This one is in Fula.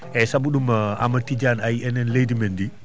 eeyi sabu ɗum Amadou Tidiani a yiyii enen leydi men ndi